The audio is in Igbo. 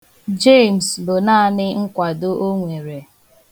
James bụ naanị nkwado o nwere.